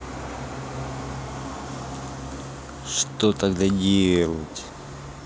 что тогда делать